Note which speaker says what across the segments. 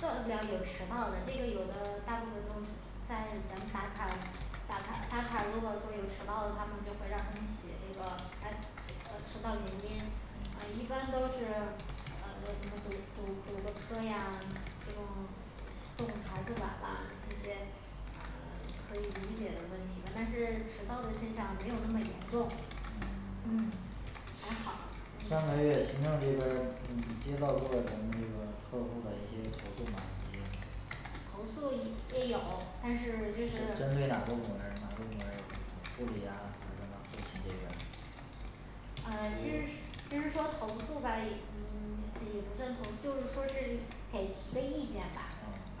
Speaker 1: 断不了有迟到的，这个有的大部分都是在咱们打卡打卡打卡，如果说有迟到了，他们就会让他们写这个单呃迟到原因呃一般都是呃呃什么堵堵堵个车呀这种送孩子晚啦这些啊 可以理解的问题吧但是迟到的现象没有这么严重嗯
Speaker 2: 嗯
Speaker 1: 还好
Speaker 2: 上 上个月行政这边儿你接到过咱们这个客户儿的一些投诉吗你这
Speaker 1: 投诉也也有，但
Speaker 2: 针
Speaker 1: 是就是
Speaker 2: 针对哪个部门儿哪个部门儿有投诉护理呀还是后勤这边儿啊
Speaker 1: 呃其实是
Speaker 2: 就
Speaker 1: 其实说投诉吧也嗯 也不算，投诉，就是说是给提个意见吧，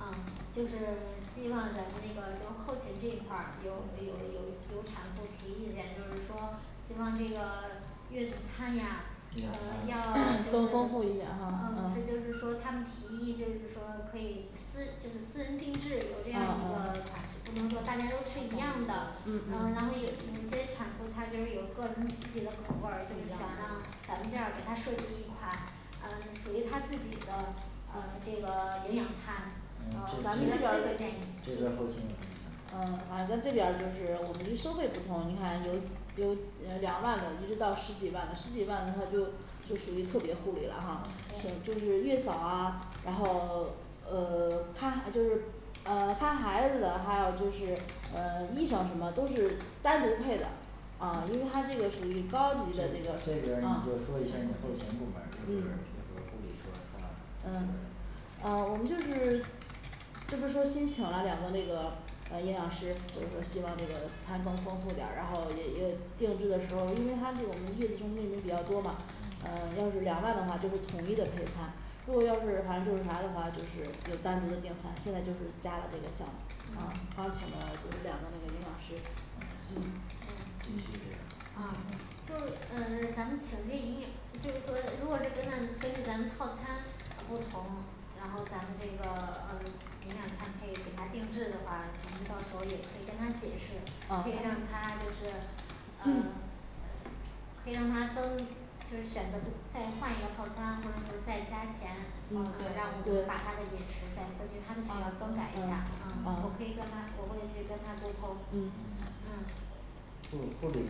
Speaker 2: 嗯
Speaker 1: 就是希望咱们那个就是后勤这一块儿有有有有产妇提意见，就是说希望这个 月子餐呀呃
Speaker 2: 月子
Speaker 1: 要
Speaker 2: 餐
Speaker 1: 就是嗯
Speaker 3: 更丰富一点哈
Speaker 1: 嗯
Speaker 3: 啊
Speaker 1: 是就是说他们提议就是说可以私就是私人定制，有这
Speaker 3: 啊
Speaker 1: 样一个
Speaker 3: 啊
Speaker 1: 款式不能说大家都吃一样的
Speaker 3: 嗯。
Speaker 1: 呃然后有
Speaker 3: 嗯
Speaker 1: 有些产妇她就是有个人自己的口味
Speaker 3: 不
Speaker 1: 儿，就是
Speaker 3: 一
Speaker 1: 想
Speaker 3: 样
Speaker 1: 让
Speaker 3: 的
Speaker 1: 咱们这儿给她设计一款呃属于她自己的呃这个 营养餐
Speaker 2: 嗯
Speaker 1: 提
Speaker 2: 这这
Speaker 1: 了这个建议
Speaker 2: 这边儿后勤有
Speaker 3: 呃
Speaker 2: 什么想说
Speaker 3: 反正这边儿就是我们收费不同你看有有呃两万的一直到十几万的十几万的，他就就属于特别护理了哈就是月嫂啊，然后 呃 看就是呃看孩子的还有就是呃医生什么都是单独配的啊因为它这个属于高
Speaker 2: 这
Speaker 3: 级的这
Speaker 2: 这边
Speaker 3: 个
Speaker 2: 儿
Speaker 3: 啊
Speaker 2: 你就说一下儿你后勤部门儿一会儿
Speaker 3: 嗯
Speaker 2: 一会儿护理说他他这边嘞
Speaker 3: 嗯啊我们就是 这不说先请了两个那个呃营养师就是说希望这个餐更丰富点儿然后也也定制的时候因为他这个我们月子中心人比较多吗啊
Speaker 2: 嗯
Speaker 3: 要是两万的话就是统一的配餐如果要是反正就是啥的话就是有单独的订餐现在就是加了这个项目啊还有
Speaker 1: 嗯
Speaker 3: 请的不是两个那个营养师嗯
Speaker 1: 啊就是呃 咱们请这营养就是说如果这跟咱们根据咱们套餐呃不同然后咱们这个呃营养餐可以给他定制的话，咱们到时候儿也可以跟他解释，可以让
Speaker 3: 嗯
Speaker 1: 他就是呃 可以让他增就是选择就再换一个套餐，或者说再加钱，然后我
Speaker 3: 嗯对
Speaker 1: 们就把他的饮食再根据他的需要
Speaker 3: 啊
Speaker 1: 更
Speaker 3: 嗯
Speaker 1: 改一下儿，
Speaker 3: 嗯
Speaker 1: 我可以跟
Speaker 3: 好
Speaker 1: 他我会去跟他沟通
Speaker 3: 嗯
Speaker 2: 嗯
Speaker 1: 嗯
Speaker 2: 护护理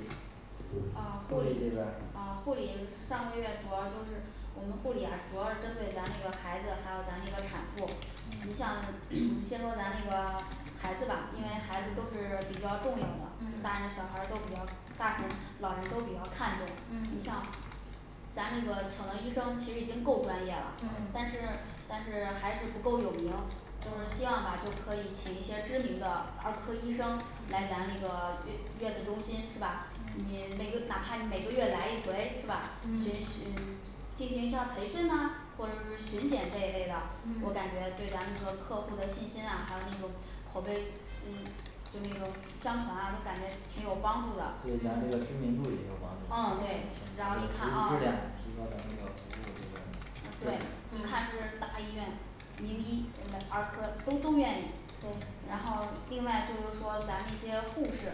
Speaker 4: 啊护
Speaker 2: 护理这
Speaker 4: 理
Speaker 2: 边儿
Speaker 4: 啊护理上个月主要就是我们护理呀主要是针对咱那个孩子，还有咱那个产妇。你像
Speaker 2: 嗯
Speaker 4: 先说咱那个 孩子吧，因为孩子都是比较重要的，
Speaker 1: 嗯
Speaker 4: 大人小孩儿都比较大是老人都比较看重，你
Speaker 1: 嗯
Speaker 4: 像咱那个请了医生其实已经够专业了，但
Speaker 1: 嗯
Speaker 4: 是
Speaker 2: 嗯
Speaker 4: 但是还是不够有名就是希望吧就可以请一些知名的儿科医生来咱
Speaker 2: 嗯
Speaker 4: 那个月月子中心是吧？你每个哪怕你每个月来一回是吧巡
Speaker 1: 嗯
Speaker 4: 巡进 进行一下儿培训呐或者说是巡检这一类的，我感
Speaker 1: 嗯
Speaker 4: 觉对咱这个客户的信心啊还有那种口碑嗯就那种相传啊都感觉挺有帮助的啊对
Speaker 2: 对咱这个知
Speaker 1: 嗯
Speaker 2: 名度也有帮助
Speaker 4: 嗯
Speaker 2: 目
Speaker 4: 对
Speaker 2: 前
Speaker 4: 然
Speaker 2: 咱
Speaker 4: 后
Speaker 2: 这个
Speaker 4: 一
Speaker 2: 服
Speaker 4: 看
Speaker 2: 务
Speaker 4: 啊
Speaker 2: 质量提高咱们这个服务
Speaker 4: 啊
Speaker 2: 这
Speaker 4: 对
Speaker 2: 边儿质量
Speaker 4: 一看是大医院名医嗯、儿科都都愿意，
Speaker 1: 对
Speaker 4: 然后另外就是说咱那些护士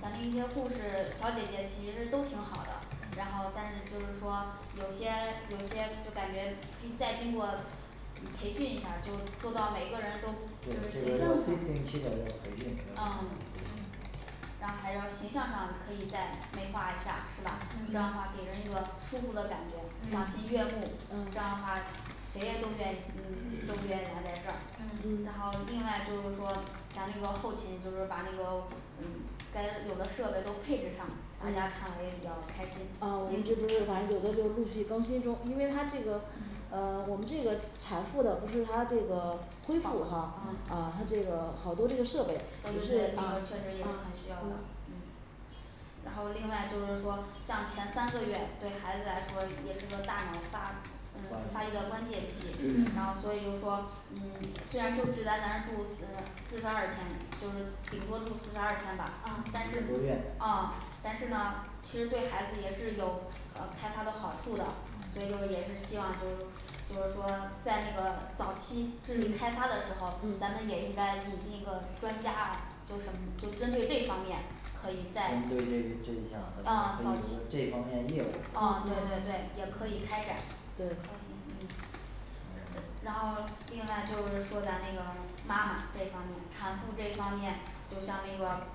Speaker 4: 咱的
Speaker 2: 嗯
Speaker 4: 一些护士小姐姐其实都挺好的，然后但是就是说有些有些就感觉可以再经过嗯培训一下儿就做到每个人都
Speaker 2: 对
Speaker 4: 就是
Speaker 2: 这
Speaker 4: 形
Speaker 2: 边
Speaker 4: 象
Speaker 2: 要定定期的
Speaker 4: 上
Speaker 2: 要培训要给他
Speaker 4: 啊
Speaker 2: 们
Speaker 4: 嗯
Speaker 2: 培训
Speaker 4: 然后还有形象上也可以再美化一下是吧？这
Speaker 1: 嗯
Speaker 4: 样的话给人一个舒服的感觉，赏心
Speaker 1: 嗯
Speaker 4: 悦目，
Speaker 1: 嗯
Speaker 4: 这样的话谁也都愿意嗯都愿意来咱这儿
Speaker 1: 嗯
Speaker 4: 然
Speaker 3: 嗯
Speaker 4: 后另外就是说咱那个后勤就是把那个嗯该有的设备都配置上，大家
Speaker 3: 嗯
Speaker 4: 看了也比较开心
Speaker 3: 啊我们这不
Speaker 4: 嗯
Speaker 3: 是反正有的就是陆续更新中因为她这个呃我们这个产妇的不是她这个恢复哈
Speaker 1: 啊
Speaker 3: 啊她这个好多这个
Speaker 4: 那个确
Speaker 3: 设
Speaker 4: 实
Speaker 3: 备也
Speaker 4: 也
Speaker 3: 是啊
Speaker 4: 是很需要的
Speaker 3: 嗯
Speaker 4: 然后另外就是说像前三个月对孩子来说也是个大脑发嗯
Speaker 2: 发育
Speaker 4: 发育的关键期，然后 所以就是说嗯虽然就只在咱这住嗯四十二天就是顶多住四十二吧
Speaker 1: 嗯
Speaker 4: 但
Speaker 2: 一
Speaker 4: 是
Speaker 2: 个多月
Speaker 4: 啊但是呢其实对孩子也是有呃开发的好处的所以就是也是希望就就是说在那个早期智力开发的
Speaker 1: 嗯
Speaker 4: 时候，咱们
Speaker 1: 嗯
Speaker 4: 也应该引进一个专家啊，就什么就针对这方面可以再
Speaker 2: 针对这个这一项咱们
Speaker 4: 啊
Speaker 2: 可以有
Speaker 4: 到
Speaker 2: 个这
Speaker 4: 起
Speaker 2: 方面业务我
Speaker 4: 啊
Speaker 2: 觉得
Speaker 4: 对对对也可以开展
Speaker 1: 可
Speaker 3: 对
Speaker 1: 以
Speaker 3: 嗯
Speaker 4: 然后另外就是说咱这个妈妈这方面，产妇这方面就像那个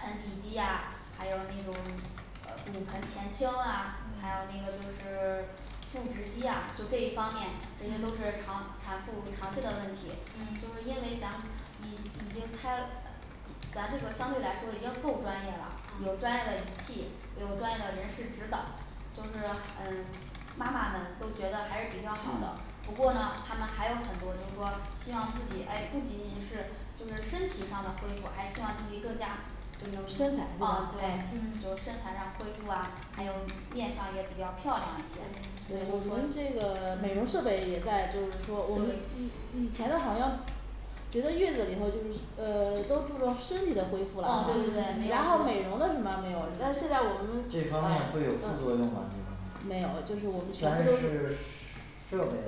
Speaker 4: 盆底肌呀，还有那种 呃骨盆前倾啊，还有那个就是 腹直肌呀就这一方面，这些都是
Speaker 1: 嗯
Speaker 4: 常产妇常见的问题就
Speaker 1: 嗯
Speaker 4: 是因为咱已已经开呃咱这个相对来说已经够专业了，有
Speaker 3: 嗯
Speaker 4: 专业的仪器，有专业的人士指导就是嗯妈妈们都觉得还是比较好的，不过呢他们还有很多就是说希望自己哎不仅仅是就是身体上的恢复还希望自己更加就能
Speaker 3: 这种
Speaker 4: 就能
Speaker 3: 身材
Speaker 4: 啊
Speaker 3: 上的
Speaker 4: 对
Speaker 3: 是吧
Speaker 4: 就
Speaker 1: 嗯
Speaker 4: 是身材上恢复啊还有面上也比较漂亮一些所以
Speaker 1: 对
Speaker 4: 就是
Speaker 3: 我们这
Speaker 4: 说
Speaker 3: 个 美容设
Speaker 4: 嗯
Speaker 3: 备也在，就是说我们以以前的好像觉得月子里头就是呃 都注重身体的恢复
Speaker 4: 啊
Speaker 3: 了
Speaker 4: 对对对
Speaker 3: 然后美
Speaker 4: 美
Speaker 3: 容
Speaker 4: 容就
Speaker 3: 的什么没有我觉得现在我们
Speaker 2: 这
Speaker 3: 呃
Speaker 2: 方面会有副作用吗
Speaker 3: 呃
Speaker 2: 这方
Speaker 3: 没有
Speaker 2: 面全
Speaker 3: 就是
Speaker 2: 是
Speaker 3: 我们
Speaker 2: 设
Speaker 3: 全部都是
Speaker 2: 设备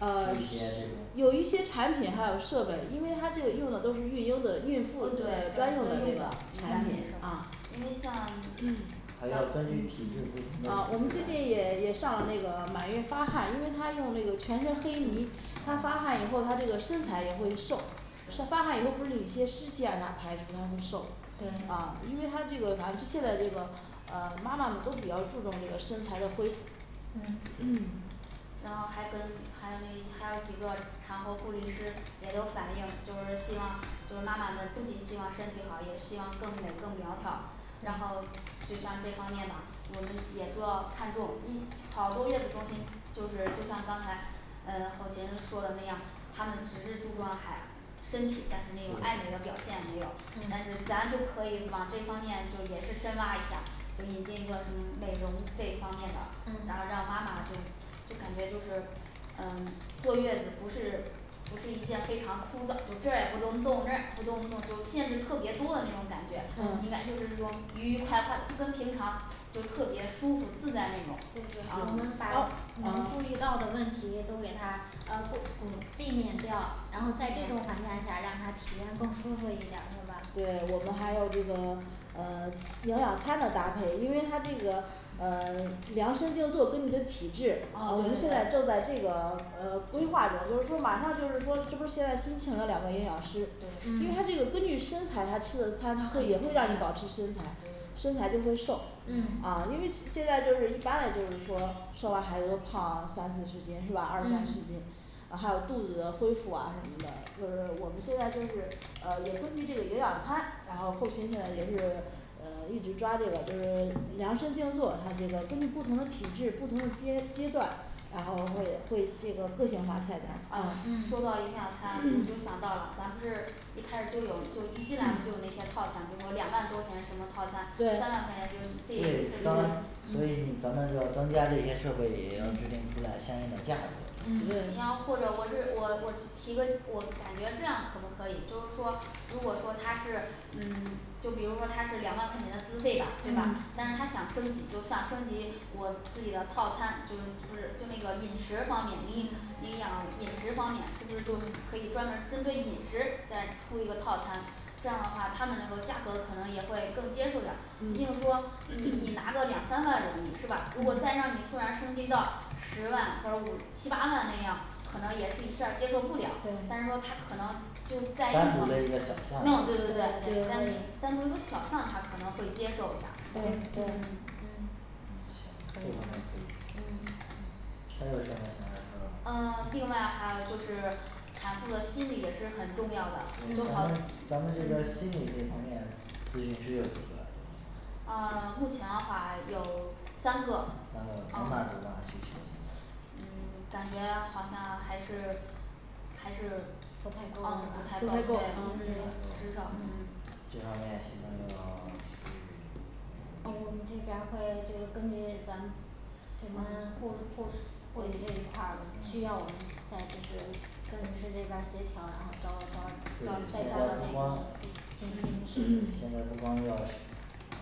Speaker 3: 呃
Speaker 2: 还是是是一
Speaker 3: 设
Speaker 2: 些 这种
Speaker 3: 有一些产品还有设备因为它这个用的都是孕婴的孕
Speaker 1: 对专专
Speaker 3: 妇专用
Speaker 1: 用
Speaker 3: 的
Speaker 1: 的
Speaker 3: 这个产品
Speaker 1: 是
Speaker 3: 啊
Speaker 4: 因为像
Speaker 2: 还要根据体质不同的体质
Speaker 3: 呃我
Speaker 2: 来
Speaker 3: 们最
Speaker 2: 进
Speaker 3: 近也
Speaker 2: 行这
Speaker 3: 也上那个满月发汗因为它用那个全身黑泥她发汗以后她这个身材也会瘦，是
Speaker 1: 是
Speaker 3: 发汗以后不是有些湿气呀啥排出来，她会瘦的，啊
Speaker 1: 对
Speaker 3: 因为她这个反正现在这个呃妈妈们都比较注重这个身材的恢复
Speaker 1: 嗯
Speaker 4: 然后还跟还有那还有几个产后护理师也都反映，就是希望就是妈妈们不仅希望身体好，也希望更美更苗条然后
Speaker 3: 对
Speaker 4: 就像这方面吧我们也主要看中一好多月子中心，就是就像刚才呃后勤说的那样，他们只是注重还身体，但是那种爱美的
Speaker 2: 对
Speaker 4: 表现没有，但是
Speaker 1: 嗯
Speaker 4: 咱就可以往这方面就也是深挖一下就引进一个什么美容这一方面的然
Speaker 1: 嗯
Speaker 4: 后让妈妈就就感觉就是嗯 坐月子不是不是一件非常枯燥，就这儿也不能动那儿也不能动就限制特别多的那种感觉，应
Speaker 1: 嗯
Speaker 4: 该就是说愉愉快快的就跟平常就特别舒服自在那种
Speaker 1: 就是我
Speaker 4: 啊
Speaker 1: 们
Speaker 4: 高
Speaker 1: 把能
Speaker 4: 啊
Speaker 1: 注意到的问题都给它啊会故避免掉然后在
Speaker 3: 嗯
Speaker 1: 这种环境下让她体验更舒服一点儿是吧
Speaker 3: 对我们还有这个 呃 营养餐的搭配，因为他这个呃 量身定做跟你的体质
Speaker 4: 嗯啊对对对，
Speaker 3: 我们现在就在这个 呃规划中，也就说马上就是说这不现在新请了两位营养师，因为
Speaker 4: 对
Speaker 3: 他这个
Speaker 1: 嗯
Speaker 3: 根据身材他吃他他可以让你保持身材身材
Speaker 4: 对
Speaker 3: 就
Speaker 4: 对
Speaker 3: 会瘦
Speaker 1: 嗯
Speaker 3: 啊因为现在就是一般的就是说生完孩子都胖三四十斤是吧二三十
Speaker 1: 嗯
Speaker 3: 斤啊还有肚子的恢复啊什么的，就是我们现在就是呃也根据这个营养餐，然后后勤现在也是 呃一直抓这个就是量身定做，它这个根据不同的体质不同的阶阶段然后会会这个个性化菜
Speaker 4: 啊
Speaker 3: 单
Speaker 4: 说到
Speaker 1: 嗯
Speaker 4: 营养餐我就 想到了咱们不是一开始就有就一进来不就有那些套餐，比如说两万多钱什么套餐三万块
Speaker 3: 对
Speaker 4: 钱就是这
Speaker 2: 这也
Speaker 4: 也
Speaker 2: 就
Speaker 4: 这都
Speaker 2: 说
Speaker 4: 是
Speaker 2: 所以你咱们要增加这些设备也要制定出来相应的价格对吧
Speaker 1: 嗯
Speaker 4: 你要
Speaker 1: 对
Speaker 4: 或者我是我我提 提个我感觉这样可不可以就是说如果说他是嗯 就比如说他是两万块钱的资费吧对吧
Speaker 1: 嗯？
Speaker 4: 但是他想升级就想升级我自己的套餐，就是不是就那个饮食方面营
Speaker 1: 嗯
Speaker 4: 营养饮食方面，是不是就可以专门儿针对饮食再出一个套餐这样的话他们那个价格可能也会更接受的了，毕竟说
Speaker 1: 嗯
Speaker 4: 你你拿 个两三万容易是吧？如果
Speaker 1: 嗯
Speaker 4: 再让你突然升级到十万或者五七八万那样可能也是一下儿接受不了但是
Speaker 1: 对
Speaker 4: 说他可能就再那
Speaker 2: 单
Speaker 4: 什么
Speaker 2: 独的一个小项
Speaker 4: 啊
Speaker 2: 目
Speaker 4: 对对
Speaker 1: 对可
Speaker 3: 对
Speaker 4: 对
Speaker 1: 以
Speaker 4: 单独一个小项他可能接受一下儿
Speaker 3: 嗯
Speaker 1: 对
Speaker 4: 是吧
Speaker 1: 对
Speaker 3: 嗯
Speaker 4: 嗯
Speaker 2: 嗯行
Speaker 1: 可
Speaker 2: 这方面儿可
Speaker 1: 以
Speaker 2: 以
Speaker 1: 嗯
Speaker 2: 其他还有什么想要说的吗
Speaker 4: 呃 另外还有就是产妇的心理也是很重要的
Speaker 1: 嗯
Speaker 2: 咱们咱们这边儿
Speaker 1: 嗯
Speaker 2: 心理这方面心理师有几个
Speaker 4: 啊 目前的话有三个
Speaker 2: 三个那不
Speaker 4: 嗯
Speaker 2: 够啊继续
Speaker 4: 嗯 感觉好像还是还是
Speaker 3: 不太
Speaker 4: 嗯
Speaker 3: 够是
Speaker 4: 不
Speaker 3: 吧现在
Speaker 4: 太
Speaker 3: 就
Speaker 4: 够
Speaker 3: 是
Speaker 4: 对
Speaker 3: 时常
Speaker 2: 这方面行政要去
Speaker 3: 呃我们这边儿会就是根据咱们
Speaker 4: 这帮护护士护理这一块儿需要我
Speaker 2: 嗯
Speaker 4: 们再就是跟人事这边儿协调然后招招再招
Speaker 2: 对
Speaker 4: 些这
Speaker 2: 那个
Speaker 4: 个
Speaker 2: 什么
Speaker 4: 这这个心理咨询师
Speaker 2: 现在不光要呃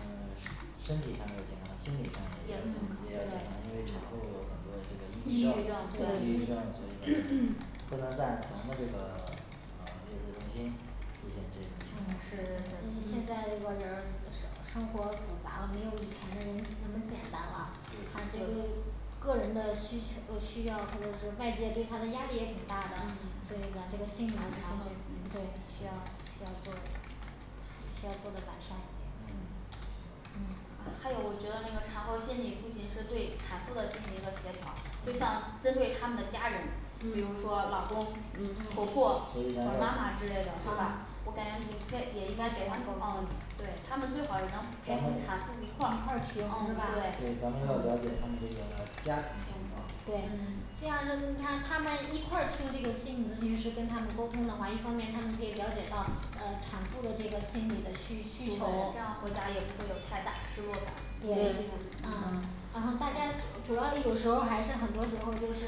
Speaker 2: 身 身体上要健康心理上也要健
Speaker 1: 也
Speaker 4: 嗯
Speaker 2: 康也要健康
Speaker 4: 对
Speaker 2: 因为产后有很多这个
Speaker 4: 抑
Speaker 2: 抑郁
Speaker 4: 郁症
Speaker 2: 症抑郁症所
Speaker 4: 对
Speaker 2: 以咱们不能在咱们这个 呃月子中心出现
Speaker 1: 嗯是
Speaker 2: 这
Speaker 1: 是是
Speaker 2: 个
Speaker 1: 因为现在这个人儿生 生活复杂了没有以前那个人儿简单了他
Speaker 4: 这
Speaker 1: 这
Speaker 4: 个
Speaker 1: 个人的需求呃需要或者是外界对她的压力也挺大的，
Speaker 4: 嗯
Speaker 1: 所以咱这
Speaker 4: 还
Speaker 1: 个心理
Speaker 4: 有
Speaker 1: 咨询
Speaker 4: 产
Speaker 1: 室
Speaker 4: 后
Speaker 1: 嗯对需要需要做就需要做的完善一点
Speaker 2: 嗯
Speaker 1: 嗯
Speaker 4: 啊还有我觉得那个产后心理不仅是对产妇的进行一个协调就像针对他们的家人，比如
Speaker 1: 嗯
Speaker 4: 说老公
Speaker 3: 嗯
Speaker 4: 婆
Speaker 1: 嗯
Speaker 4: 婆或
Speaker 2: 不
Speaker 4: 者
Speaker 2: 是
Speaker 4: 妈妈
Speaker 2: 咱
Speaker 4: 之
Speaker 2: 这样
Speaker 4: 类的是吧我感觉也该也应该给他们啊对他们最好是能陪同产妇
Speaker 1: 一
Speaker 4: 一块儿
Speaker 1: 块儿听是
Speaker 4: 嗯
Speaker 1: 吧
Speaker 2: 咱们
Speaker 4: 对
Speaker 2: 要了解他
Speaker 4: 嗯
Speaker 2: 们那个家庭情况
Speaker 1: 对
Speaker 4: 嗯
Speaker 1: 这样是你看他们一块听这个心理咨询师跟他们沟通的话一方面他们可以了解到呃产妇的这个心理的需
Speaker 4: 对
Speaker 1: 需求
Speaker 4: 这样回家也不会有太大失落感毕竟我
Speaker 1: 对
Speaker 4: 们
Speaker 1: 啊
Speaker 4: 嗯，
Speaker 1: 然后大家主 主要有时候儿还是很多时候儿就是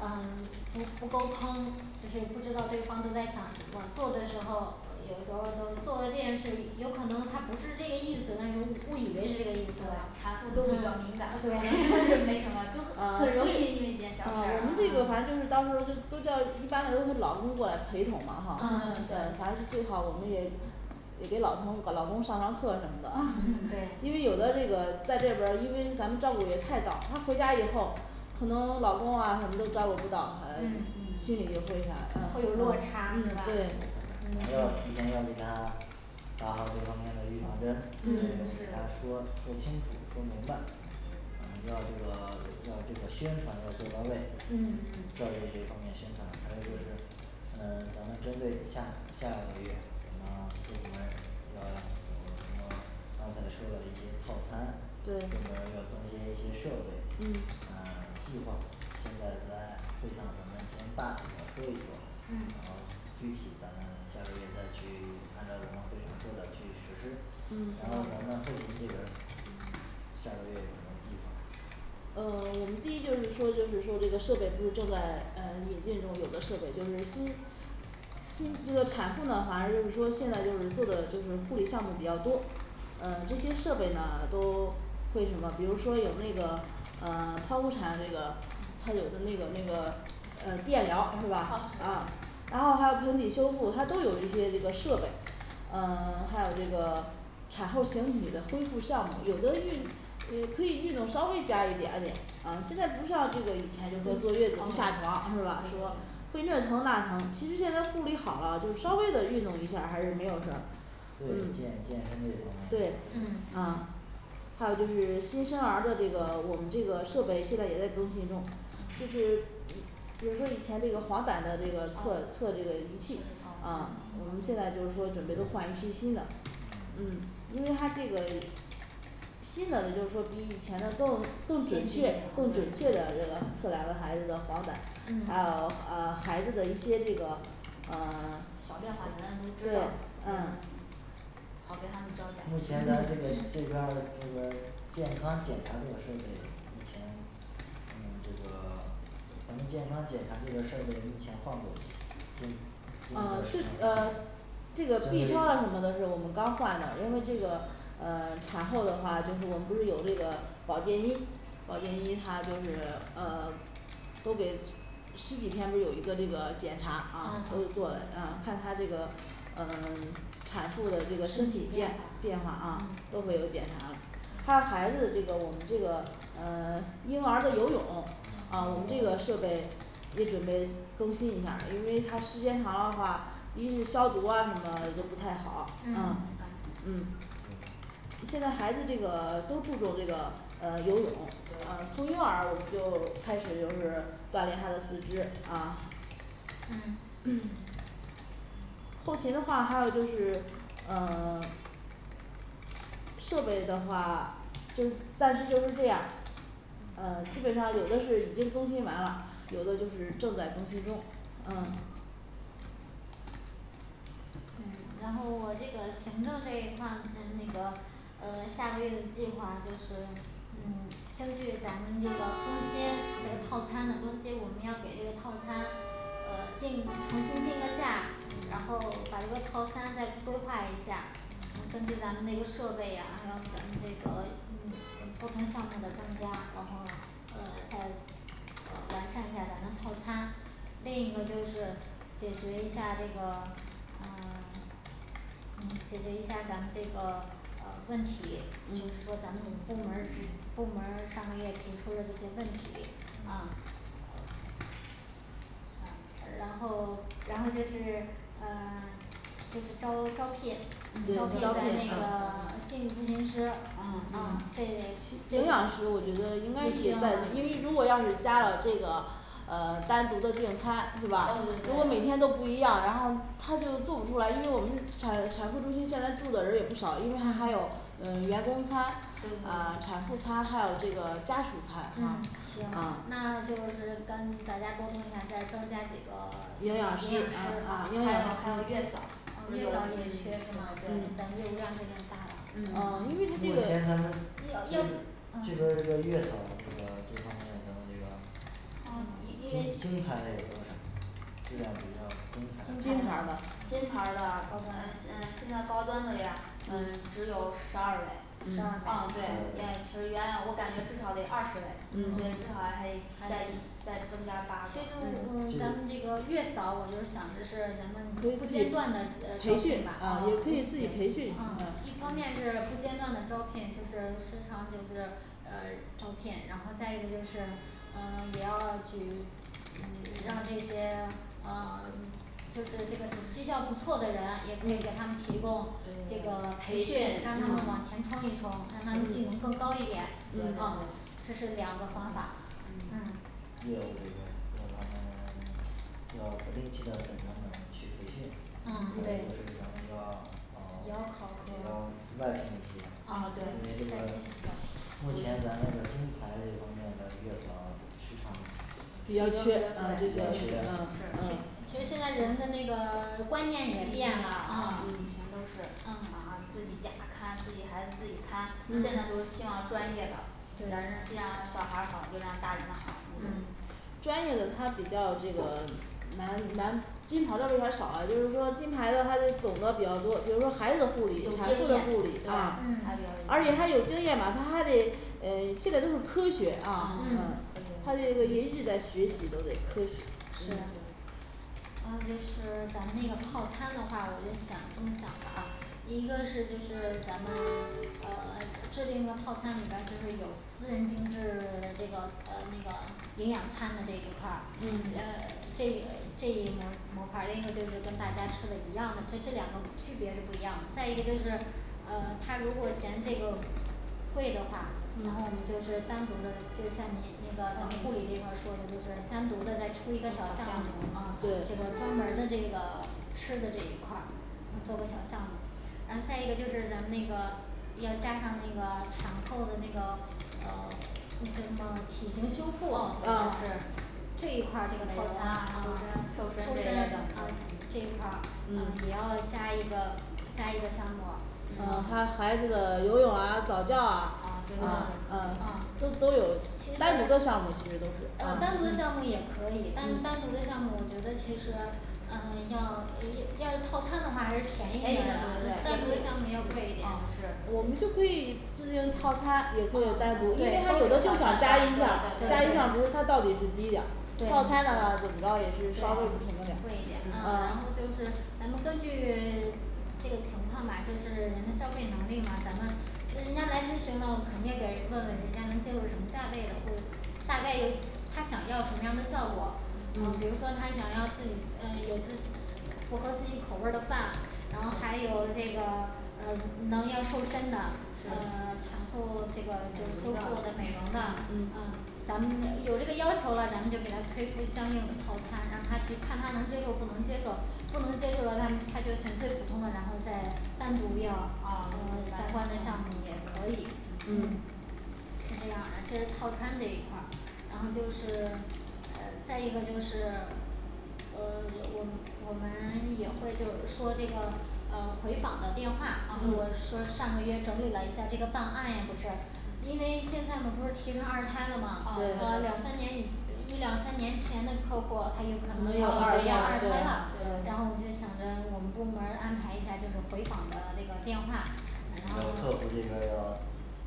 Speaker 1: 呃 不不沟通，就是不知道对方都在想什么，做的时候呃有时候儿都做了这件事，有有可能他不是这个意思，但是误误以为是这个意
Speaker 4: 对
Speaker 1: 思了
Speaker 4: 产后都比较敏
Speaker 1: 嗯
Speaker 4: 感本来
Speaker 1: 对
Speaker 4: 就没什么就很容易因为一件小事
Speaker 3: 啊
Speaker 4: 啊
Speaker 3: 我们这个
Speaker 1: 嗯
Speaker 3: 反正就是到时候就都叫一般的都是老公过来陪同嘛哈反正最好我们也
Speaker 4: 也给老公和老公上上课什么的，
Speaker 1: 嗯对
Speaker 4: 因为有的这个在这边儿因为咱们照顾也太到，她回家以后
Speaker 3: 可能老公啊什么都照顾不到好像
Speaker 1: 嗯
Speaker 3: 心理也会啥嗯
Speaker 1: 会有落差
Speaker 3: 嗯
Speaker 1: 是
Speaker 3: 嗯
Speaker 1: 吧
Speaker 3: 对
Speaker 2: 咱要
Speaker 1: 嗯
Speaker 2: 提前告诉她打好这方面的预防针呃
Speaker 4: 嗯
Speaker 1: 嗯
Speaker 4: 是
Speaker 2: 给她说说清楚说明白呃要这个 要这个宣传呢做到位
Speaker 4: 嗯
Speaker 1: 嗯
Speaker 2: 教育这
Speaker 4: 嗯
Speaker 2: 方面的宣传还有就是呃咱们针对下下个月咱们各部门儿要有什么刚才说的一些套餐部门儿
Speaker 3: 对
Speaker 4: 对
Speaker 2: 要增添一些设备
Speaker 1: 嗯
Speaker 2: 啊计划现在在会上介绍咱们先大体的说一说，然后
Speaker 1: 嗯
Speaker 2: 具体咱们下个月再去按照咱们会议上说的去实施
Speaker 1: 嗯
Speaker 2: 然后咱们后
Speaker 1: 行
Speaker 2: 勤这边儿下个月有什么计划
Speaker 3: 呃 我们第一就是说就是说这个设备不是正在呃引进中，有的设备就是新新这个产妇呢反正就是说现在就是做的这个护理项目比较多，呃这些设备呢都 会什么？比如说有那个呃 剖腹产那个它有的那个那个呃电疗儿是吧哈啊
Speaker 1: 是
Speaker 3: 然后还有盆底修复，它都有这些这个设备呃 还有这个 产后形体的恢复项目儿，有的运呃可以运动稍微加一点儿也啊现在不像这个以前就就
Speaker 1: 啊对对
Speaker 3: 坐月子不能下床是吧说
Speaker 1: 对
Speaker 3: 会那疼那疼其实现在护理好了，就稍微的运动一下还是没有事儿
Speaker 2: 对健
Speaker 3: 嗯
Speaker 2: 健身这一方面
Speaker 3: 对
Speaker 2: 吗
Speaker 1: 嗯
Speaker 3: 啊还有就是 新生儿的这个，我们这个设备现在也在更新中就是嗯比如说以前这个黄疸的这个测
Speaker 1: 啊
Speaker 3: 测这个的仪
Speaker 1: 这是
Speaker 3: 器，
Speaker 1: 黄
Speaker 3: 啊
Speaker 1: 疸
Speaker 3: 我
Speaker 4: 嗯
Speaker 3: 们现在说准备都换一批新的，
Speaker 2: 嗯
Speaker 3: 嗯因为它这个新的就是说比以前的更
Speaker 4: 先进一点啊
Speaker 3: 更准确更准确的这
Speaker 4: 对
Speaker 3: 个测量孩子的黄疸还有
Speaker 1: 嗯
Speaker 3: 呃孩子的一些这个呃
Speaker 4: 小变化咱也都
Speaker 3: 对
Speaker 4: 知道
Speaker 3: 呃
Speaker 4: 嗯
Speaker 1: 好给他们交代
Speaker 2: 目
Speaker 1: 嗯
Speaker 2: 前咱这
Speaker 3: 嗯
Speaker 2: 个
Speaker 1: 嗯
Speaker 2: 这边儿这个健康检查这个设备目前嗯这个 咱们健康检查这个设备以前换过吗
Speaker 3: 呃
Speaker 2: 这
Speaker 3: 是
Speaker 2: 这
Speaker 3: 呃
Speaker 2: 个
Speaker 4: 这个B
Speaker 2: 因
Speaker 4: 超啊什么的
Speaker 2: 为
Speaker 4: 就是我们刚换的，因为这个呃产后的话就是我们不是有这个保健医，保健医他就是 呃都给
Speaker 3: 十几天不有一个这个检查，啊她都做
Speaker 1: 嗯
Speaker 3: 了呃看她这个呃 产妇的这个身体变化变化啊
Speaker 1: 嗯
Speaker 3: 都会有检查还有孩子这个我们这个呃 婴儿的游泳，啊我们
Speaker 2: 嗯
Speaker 3: 这个设备也准备更新一下儿，因为它时间长的话，一是消毒啊什么的都不太好啊
Speaker 1: 嗯
Speaker 3: 嗯现在孩子这个 都注重这个呃游泳呃
Speaker 4: 对
Speaker 3: 从婴儿我们就开始就是锻炼他的四肢啊
Speaker 1: 嗯
Speaker 3: 后
Speaker 2: 嗯
Speaker 3: 勤的话还有就是呃 设备的话就暂时就是这样呃基本上有的是已经更新完了，有的就是正在更新中嗯
Speaker 1: 嗯然后我这个行政这一块，嗯那个呃下个月的计划就是嗯根据咱们这个更新这个套餐的更新，我们要给套餐呃定重新定个价，然后 把这个套餐再规划一下然后根据咱们那个设备呀，还有咱们这个嗯呃不同项目的增加，然后呃再呃完善一下咱的套餐另一个就是解决一下这个呃 嗯解决一下儿咱们这个呃问题就是说
Speaker 4: 嗯
Speaker 1: 咱们部门儿是部门儿上个月提出的这些问题啊
Speaker 2: 嗯
Speaker 1: 啊然后 然后就是呃 就是招招聘
Speaker 4: 嗯对
Speaker 1: 招
Speaker 4: 哦
Speaker 1: 聘咱那个 心理咨询师
Speaker 3: 嗯
Speaker 1: 啊这 这个
Speaker 3: 营养师我觉得应该
Speaker 1: 也
Speaker 3: 可
Speaker 1: 需
Speaker 3: 以
Speaker 1: 要吗
Speaker 3: 再因为要是如果加了这个呃单独的订餐是
Speaker 1: 呃
Speaker 3: 吧？如果每天
Speaker 1: 对
Speaker 3: 都不一样，然后他就做不出来，因为我们产产妇中心现在住的人儿也不少，因为还有
Speaker 1: 嗯
Speaker 3: 呃员工餐
Speaker 1: 对对、
Speaker 3: 啊
Speaker 1: 对
Speaker 3: 产妇餐，还有这个家属餐哈
Speaker 1: 嗯行
Speaker 3: 啊
Speaker 1: 那就是跟大家沟通一下，再增加几个
Speaker 3: 营
Speaker 1: 营
Speaker 3: 养
Speaker 1: 养
Speaker 3: 师
Speaker 1: 师
Speaker 3: 嗯啊
Speaker 1: 啊
Speaker 4: 还有还有月嫂
Speaker 1: 啊月嫂儿也
Speaker 4: 嗯
Speaker 1: 缺是吗
Speaker 4: 对
Speaker 1: 嗯咱业务量现在大
Speaker 3: 嗯因为他
Speaker 2: 目前咱
Speaker 3: 这个
Speaker 1: 了
Speaker 2: 们
Speaker 1: 要要
Speaker 2: 跟这边
Speaker 3: 啊
Speaker 2: 儿这个月嫂这个这方面咱们这个
Speaker 1: 啊因 因为
Speaker 2: 金
Speaker 1: 金
Speaker 2: 金
Speaker 1: 牌
Speaker 2: 牌的
Speaker 1: 的
Speaker 2: 有多少
Speaker 1: 高
Speaker 2: 这边
Speaker 1: 端的
Speaker 2: 几
Speaker 1: 嗯
Speaker 2: 个
Speaker 4: 金
Speaker 2: 金牌的
Speaker 1: 金
Speaker 4: 牌
Speaker 1: 牌
Speaker 4: 儿的
Speaker 1: 的
Speaker 4: 金牌儿的呃嗯现在高端的呀呃只有十二位
Speaker 1: 十二
Speaker 4: 啊对
Speaker 1: 位
Speaker 4: 也其实
Speaker 2: 十
Speaker 4: 原
Speaker 2: 二位
Speaker 4: 来我感觉至少得二十位所以至少还得再再增加八
Speaker 1: 其实
Speaker 4: 个
Speaker 3: 嗯
Speaker 1: 嗯咱们这
Speaker 2: 这
Speaker 1: 个月嫂我就想着是咱们不不间断地呃招
Speaker 4: 培
Speaker 1: 聘
Speaker 4: 训
Speaker 1: 吧啊不
Speaker 4: 可
Speaker 3: 哦
Speaker 4: 以自己培训
Speaker 1: 一
Speaker 4: 嗯
Speaker 1: 方面
Speaker 3: 嗯
Speaker 1: 是不间断地招聘就是时常就是呃招聘然后再一个就是呃 也要举嗯让这些呃 就是这个这绩效不错的人也可以给他们提供这个
Speaker 4: 对
Speaker 1: 培训，让他们往
Speaker 4: 嗯
Speaker 1: 前冲一冲，让他们技能更高一点，啊
Speaker 4: 嗯
Speaker 1: 这是两个方法问
Speaker 4: 嗯
Speaker 1: 你
Speaker 2: 业务这边儿要他们 要不定期的给他们去培训
Speaker 1: 嗯
Speaker 2: 还
Speaker 1: 对
Speaker 2: 有就是咱们
Speaker 1: 也要
Speaker 2: 要
Speaker 1: 考
Speaker 2: 也要
Speaker 1: 核
Speaker 2: 外聘一些
Speaker 1: 啊
Speaker 2: 因
Speaker 1: 对
Speaker 2: 为这
Speaker 1: 在
Speaker 2: 个
Speaker 1: 进
Speaker 2: 目前咱这个金牌这方面咱需要找时常
Speaker 4: 也要也要
Speaker 2: 那
Speaker 4: 啊
Speaker 2: 个
Speaker 1: 对
Speaker 4: 对
Speaker 2: 有
Speaker 1: 对
Speaker 4: 对啊
Speaker 2: 些
Speaker 4: 是
Speaker 1: 其
Speaker 4: 啊
Speaker 1: 其实现在人的那个 观念也变了
Speaker 4: 嗯
Speaker 1: 啊
Speaker 4: 毕竟以前都是啊
Speaker 1: 嗯
Speaker 4: 自己家看，自己孩子自己看，现在都是
Speaker 1: 嗯
Speaker 4: 希望专业的咱这儿
Speaker 1: 对
Speaker 4: 既让小孩儿好又让大人好也都
Speaker 1: 嗯
Speaker 3: 专业的他比较这个 难难金牌的为啥少了，就是说金牌的他懂得比较多，比如说孩子的护理
Speaker 4: 有经验对
Speaker 3: 产
Speaker 4: 还比
Speaker 3: 妇
Speaker 4: 较
Speaker 3: 的护理啊
Speaker 1: 嗯
Speaker 3: 而且他有经验嘛，他还得呃现在都是科学啊
Speaker 1: 嗯，
Speaker 3: 他这个一直在学习都得
Speaker 1: 是
Speaker 4: 所以说
Speaker 1: 啊然后就是咱们那个套餐的话我就想这么想的啊，一个是就是咱们呃 制定个套餐里边儿就是有私人定制 这个呃那个营养餐的这一块儿，啊呃这呃这一模儿模块儿，另一个就是跟大家吃的一样的，这这两个区别是不一样的再一个就是呃他如果嫌这个贵的话，然后我
Speaker 3: 嗯
Speaker 1: 们就是单独的就像您那个咱们护
Speaker 4: 嗯
Speaker 1: 理这块儿说的就是，单独的再出一个小
Speaker 4: 小
Speaker 1: 项
Speaker 4: 项目
Speaker 1: 目
Speaker 4: 啊对
Speaker 1: 儿，这个专门儿的这个吃的这一块儿嗯做个小项目儿然后再一个就是咱们那个要加上那个产后的那个呃那叫什么体型修复
Speaker 4: 哦
Speaker 1: 主要
Speaker 4: 啊
Speaker 1: 是这一块儿这个
Speaker 4: 美容
Speaker 1: 套
Speaker 4: 啊瘦
Speaker 1: 餐
Speaker 4: 身
Speaker 1: 瘦
Speaker 4: 瘦身
Speaker 1: 身
Speaker 4: 怎
Speaker 1: 啊
Speaker 4: 么的嗯
Speaker 1: 这一块呃也
Speaker 4: 嗯
Speaker 1: 要加一个加一个项目
Speaker 3: 呃还有孩子的游泳啊早教啊
Speaker 1: 嗯
Speaker 3: 都
Speaker 1: 这都是嗯
Speaker 3: 都有
Speaker 1: 其实
Speaker 4: 单独的项目其实都是
Speaker 1: 呃
Speaker 4: 啊
Speaker 1: 单独的
Speaker 4: 嗯
Speaker 1: 项目也可以但是单
Speaker 4: 嗯
Speaker 1: 独的项目我觉得其实呃要呃要 要是套餐的话还是
Speaker 3: 便宜点对对对
Speaker 1: 便宜点对对对单独的项目
Speaker 3: 也
Speaker 1: 要
Speaker 3: 不
Speaker 1: 贵一
Speaker 3: 会嗯
Speaker 1: 点
Speaker 3: 是
Speaker 4: 我们就可以指定套餐
Speaker 1: 嗯
Speaker 4: 也
Speaker 1: 对都
Speaker 4: 可以单独因为他
Speaker 1: 有
Speaker 4: 有的他就想加一项加一项不是他到底是低点儿
Speaker 3: 套餐的话就
Speaker 1: 对
Speaker 3: 主要也是稍微不
Speaker 1: 对
Speaker 3: 同点
Speaker 1: 贵
Speaker 3: 儿
Speaker 1: 一点
Speaker 3: 嗯
Speaker 1: 然后就是咱们根据 这个情况吧就是 人的消费能力嘛，咱们就人家来咨询了，肯定给问问人家能接受什么价位的，或者大概有他想要什么样的效果啊比如说他想要自己呃有个符合自己口味儿的饭，然后还有这个呃能要瘦身的呃
Speaker 3: 是
Speaker 1: 产后这个
Speaker 3: 美
Speaker 1: 这修复的
Speaker 3: 容的
Speaker 1: 美容的呃咱们呃有这个要求了，咱们就给他推出相应的套餐，让他去看他能接受不能接受不能接受的让他就选最普通的，然后再单独要呃
Speaker 4: 嗯
Speaker 1: 相
Speaker 4: 加
Speaker 1: 关
Speaker 4: 一
Speaker 1: 的
Speaker 4: 些
Speaker 1: 项
Speaker 4: 项目
Speaker 1: 目也可以嗯
Speaker 4: 嗯
Speaker 1: 是这样，啊这是套餐这一块儿然后就是 呃再一个就是 呃就我们我们也会就是说这个呃回访的电话，就是我
Speaker 4: 啊
Speaker 1: 说上个月整理了一下档案呀不是因为现在嘛不是提倡二胎了嘛
Speaker 4: 啊，
Speaker 1: 呃两
Speaker 4: 对
Speaker 1: 三年以呃一两三年前的客户儿他有可
Speaker 3: 可
Speaker 1: 能
Speaker 3: 能要
Speaker 1: 要准
Speaker 3: 二
Speaker 1: 备要二胎
Speaker 3: 胎了
Speaker 1: 啦
Speaker 3: 对，
Speaker 1: 然
Speaker 3: 对
Speaker 1: 后我就想着我们部门儿安排一下就是回访的这个电话呃然
Speaker 2: 咱客
Speaker 1: 后
Speaker 2: 服这边儿要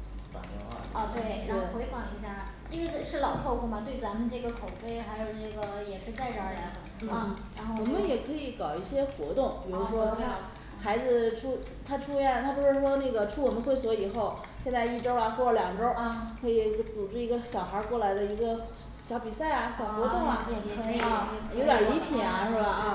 Speaker 2: 打电话是
Speaker 1: 啊对然
Speaker 2: 吗
Speaker 1: 后回访一
Speaker 4: 对
Speaker 1: 下，因为是是老客户儿嘛对咱们这个口碑，还有这个也是在这儿嘞啊然后
Speaker 3: 我
Speaker 1: 就
Speaker 3: 们也可以搞一些活动，比如说为了孩子出他出院，他不是说那个出我们会所以后，现在是正好儿过了两周儿
Speaker 1: 啊
Speaker 3: 可以组织一个小孩儿过来的一个小比赛啊，小活动
Speaker 4: 啊
Speaker 3: 啊
Speaker 4: 对可
Speaker 1: 也
Speaker 3: 是
Speaker 1: 可
Speaker 3: 吧，
Speaker 1: 以
Speaker 3: 有点儿礼
Speaker 1: 就
Speaker 4: 以
Speaker 3: 品
Speaker 1: 是
Speaker 3: 啊是吧
Speaker 1: 嗯